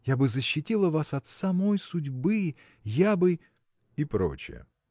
я бы защитила вас от самой судьбы, я бы. и прочее.